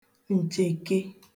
ǹchèke